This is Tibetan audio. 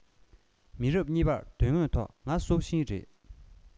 མི རབས གཉིས པར དོན དངོས ཐོག ང སྲོག ཤིང རེད